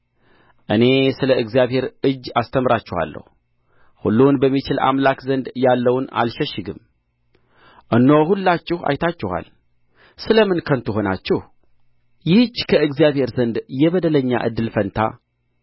እኔ ስለ እግዚአብሔር እጅ አስተምራችኋለሁ ሁሉን በሚችል አምላክ ዘንድ ያለውን አልሸሽግም እነሆ ሁላችሁ አይታችኋል ስለ ምን ከንቱ ሆናችሁ ይህች ከእግዚአብሔር ዘንድ የበደለኛ እድል ፈንታ